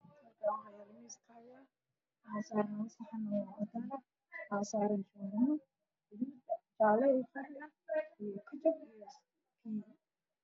Waa saxamo cadaan ah labo xabo ah oo saaran jabaati